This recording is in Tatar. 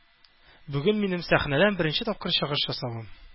Бүген минем сәхнәдән беренче тапкыр чыгыш ясавым.